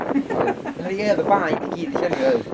Odd, o ie oedd y Bae i gyd 'di llenwi oedd?